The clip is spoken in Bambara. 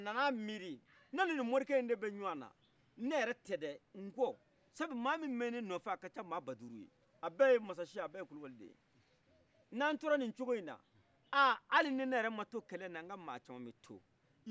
a nana miiri ne nin ni morikɛ in debe ɲɔgɔnna ne yɛrɛtɛ dɛ nkɔ sabu ma mun be ne nɔfɛ a can ma baduru ye a bɛ ye masa siye a bɛye kulubaliw ye n'an tora nin cogo inna a ali nin ne yɛrɛ ma to nin kɛlɛ in na nka ma caman bi to